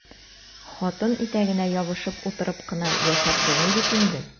Хатын итәгенә ябышып утырып кына яшәп булмый бит инде!